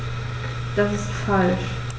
Das ist falsch.